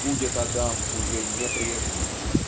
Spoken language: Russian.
будет Адам уже не прежний